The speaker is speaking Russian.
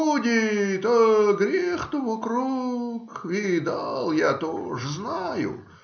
Ходит, а грех-то вокруг. Видал я тоже, знаю.